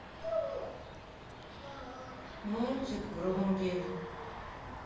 мультик врунгель